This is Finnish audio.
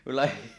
minulla